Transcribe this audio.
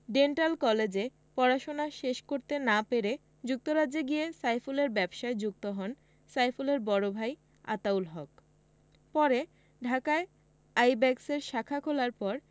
dental কলেজে পড়াশোনা শেষ করতে না পেরে যুক্তরাজ্যে গিয়ে সাইফুলের ব্যবসায় যুক্ত হন সাইফুলের বড় ভাই আতাউল হক পরে ঢাকায় আইব্যাকসের শাখা খোলার পর